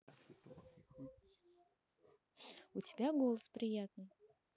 у тебя голос приятный